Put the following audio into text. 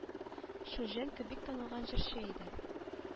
Шульженко бик танылган җырчы иде